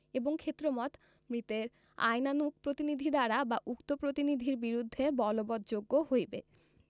এবং ক্ষেত্রমত মৃতের আইনানুগ প্রতিনিধি দ্বারা বা উক্ত প্রতিনিধির বিরুদ্ধে বলবৎযোগ্য হইবে